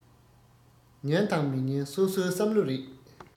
ཉན དང མི ཉན སོ སོའི བསམ བློ རེད